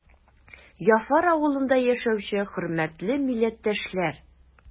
Яфар авылында яшәүче хөрмәтле милләттәшләр!